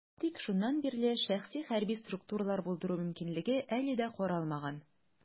Тик шуннан бирле шәхси хәрби структуралар булдыру мөмкинлеге әле дә каралмаган.